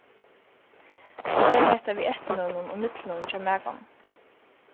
og tað er hetta við eftirnøvnum og millumnøvnum hjá makanum